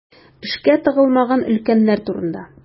Эшкә тыгылмаган өлкәннәр турында.